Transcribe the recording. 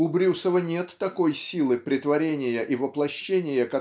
У Брюсова нет такой силы претворения и воплощения